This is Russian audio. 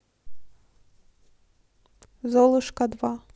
золушка два